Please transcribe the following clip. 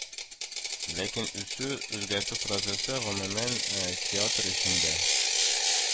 Ләкин үсү, үзгәртү процессы, гомумән, театр өчен дә,